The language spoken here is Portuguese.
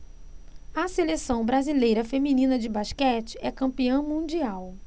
a seleção brasileira feminina de basquete é campeã mundial